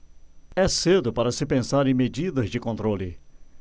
é cedo para se pensar em medidas de controle